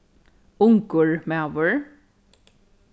ungur maður